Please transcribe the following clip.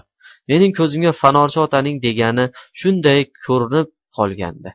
mening ko'zimga fanorchi otaning degani shunday ko'rinib qolgandi